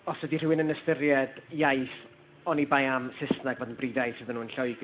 os ydy rhywun yn ystyried iaith oni bai am Saesneg fod yn brif iaith iddyn nhw'n Lloegr.